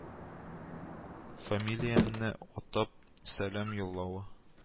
Фамилиямне атап сәлам юллавы